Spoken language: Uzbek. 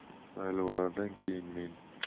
saylovlardan keyin men